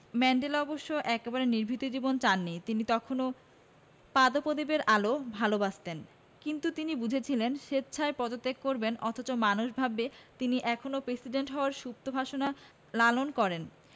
Mandela অবশ্য একেবারে নিভৃত জীবন চাননি তিনি তখনো পাদপ্রদীপের আলো ভালোবাসতেন কিন্তু তিনি বুঝেছিলেন স্বেচ্ছায় পদত্যাগ করবেন অথচ মানুষ ভাববে তিনি এখনো প্রেসিডেন্ট হওয়ার সুপ্ত বাসনা লালন করেন